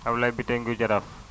Abdoulaye Bitèye Nguy Jaraaf